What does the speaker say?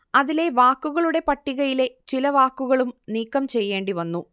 അതിലെ വാക്കുകളുടെ പട്ടികയിലെ ചില വാക്കുകളും നീക്കം ചെയ്യേണ്ടി വന്നു